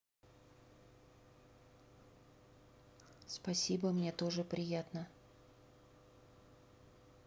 спасибо мне тоже приятно